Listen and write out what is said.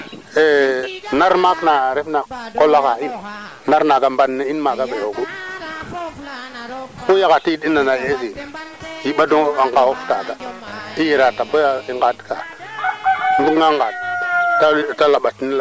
tiga yoon tu parce que roog fe deɓa nga keno mbiska koɓale te leyel ax ax keene nam mbaagogu topato xooga den bo mbago ngeeka den baya ando naye jeg kee sik fa leŋ boya ando naye nu suta nga den pour muuka den rek machala dara sike den xa ref ke ando naye ten nu utiliser ogu tenu mbaando gu bo mbaago ngek ax keene